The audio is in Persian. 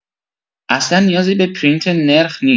اصلا نیازی به پرینت نرخ نیست